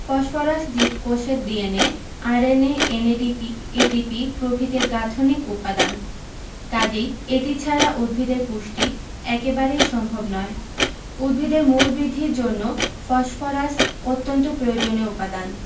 phosphorus জীবকোষের DNA RNA NADP ATP প্রভৃতির গাঠনিক উপাদান কাজেই এটি ছাড়া উদ্ভিদের পুষ্টি একেবারেই সম্ভব নয় উদ্ভিদের মূল বৃদ্ধির জন্য ফসফরাস অত্যন্ত প্রয়োজনীয় উপাদান